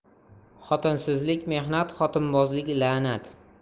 xotinsizlik mehnat xotinbozlik la'nat